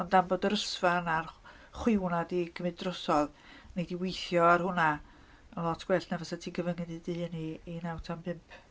Ond am bod yr ysfa yna a'r chwiw yna 'di cymyd drosodd, nei di weithio ar hwnna, o lot gwell na fysa ti cyfyngu dy hun i i naw tan bump.